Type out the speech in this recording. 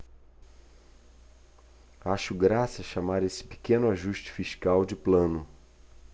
acho graça chamar esse pequeno ajuste fiscal de plano